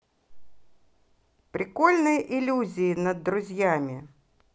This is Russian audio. прикольные иллюзии над друзьями